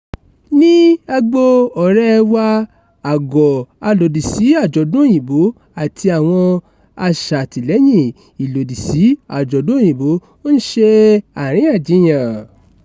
Ní agbo ọ̀rẹ́ẹ wa, àgọ́ alòdìsí àjọ̀dún Òyìnbó àti àwọn aṣàtìlẹ́yìn ilòdìsí àjọ̀dún Òyìnbó ń ṣe àríyànjiyàn.